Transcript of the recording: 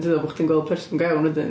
Duda bo' chdi'n gweld person go iawn wedyn.